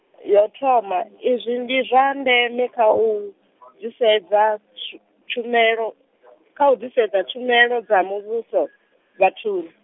yo thoma izwi ndi zwa ndeme kha u, ḓisedza tsh, tshumelo, kha u ḓisedza tshumelo dza muvhuso vhathuni.